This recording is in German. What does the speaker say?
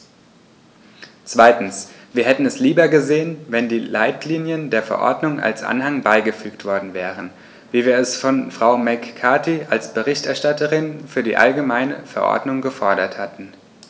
Zweitens: Wir hätten es lieber gesehen, wenn die Leitlinien der Verordnung als Anhang beigefügt worden wären, wie wir es von Frau McCarthy als Berichterstatterin für die allgemeine Verordnung gefordert hatten.